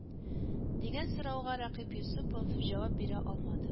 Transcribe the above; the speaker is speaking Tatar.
Дигән сорауга рәкыйп йосыпов җавап бирә алмады